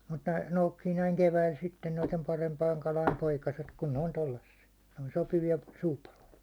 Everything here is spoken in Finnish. mutta ne noukkii näin keväällä sitten noiden parempien kalojen poikaset kun ne on tuollaisia ne on sopivia suupaloja